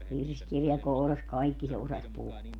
virsikirja kourassa kaikki se osasi puhua